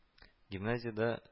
Гимназиядә